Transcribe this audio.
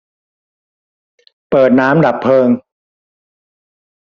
เปิดน้ำดับเพลิง